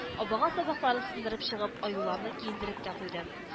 Абага сабакларын сындырып чыгып, аюларны киендереп тә куйды